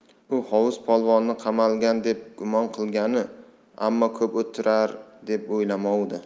u hovuz polvonni qamalgan deb gumon qilganu ammo ko'p o'tirar deb o'ylamovdi